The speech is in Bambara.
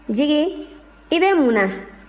jigi i bɛ mun na